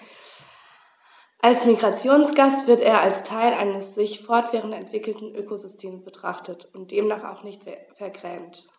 Als Migrationsgast wird er als Teil eines sich fortwährend entwickelnden Ökosystems betrachtet und demnach auch nicht vergrämt.